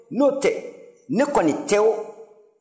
ni o tɛ ne kɔni tɛ o